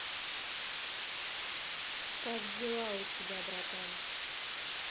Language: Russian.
как дела у тебя братан